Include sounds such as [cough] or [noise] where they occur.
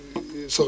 [hesitation] [hesitation]